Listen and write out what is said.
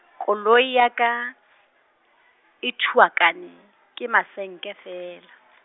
koloi ya ka, e thuakane, ke masenke feela.